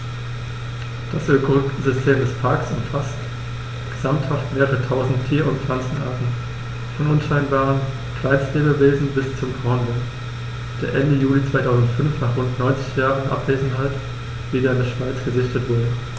Das Ökosystem des Parks umfasst gesamthaft mehrere tausend Tier- und Pflanzenarten, von unscheinbaren Kleinstlebewesen bis zum Braunbär, der Ende Juli 2005, nach rund 90 Jahren Abwesenheit, wieder in der Schweiz gesichtet wurde.